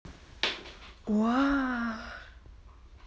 ооо а а а